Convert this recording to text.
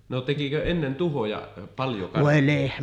no tekikö ennen tuhoja paljon karjalle